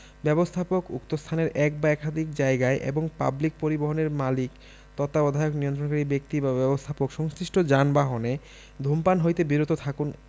ব্যবস্থাপক উক্ত স্থানের এক বা একাধিক জায়গায় এবং পাবলিক পরিবহণের মালিক তত্ত্বাবধায়ক নিয়ন্ত্রণকারী ব্যক্তি বা ব্যবস্থাপক সংশ্লিষ্ট যানবাহনে ধূমপান হইতে বিরত থাকুন